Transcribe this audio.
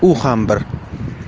u ham bir